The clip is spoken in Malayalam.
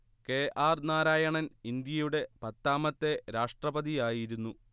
കെ ആർ നാരായണൻ ഇന്ത്യയുടെ പത്താമത്തെ രാഷ്ട്രപതിയായിരുന്നു